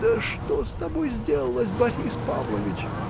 Да что с тобой сделалось, Борис Павлович?